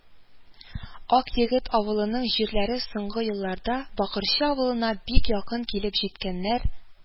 Акъегет авылының җирләре соңгы елларда Бакырчы авылына бик якын килеп җиткәннәр